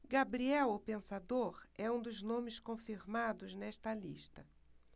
gabriel o pensador é um dos nomes confirmados nesta lista